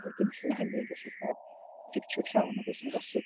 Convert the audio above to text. A wedyn allan o hynny yn gallu cael pictiwr llawn o be sy'n bosib.